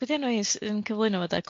Be di enw hi sy yn cyflwyno fo dwa?